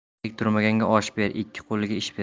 tek turmaganga osh ber ikki qo'liga ish ber